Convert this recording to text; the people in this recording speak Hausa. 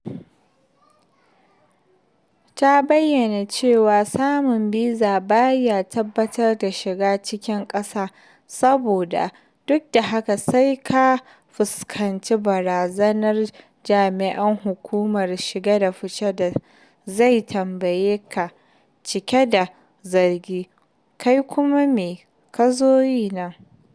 Ta bayyana cewa samun biza ba ya tabbatar da shiga cikin ƙasa saboda "duk da haka sai ka fuskanci barazanar jami'in hukumar shige da fice da zai tambaye ka cike da zargi 'Kai kuma me ka zo yi nan?'"